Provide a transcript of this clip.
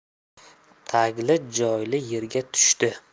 tagli joyli yerga tushdi